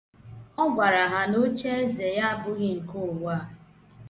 Ọ gwara ha na ocheeze ya abụghị nke ụwa a.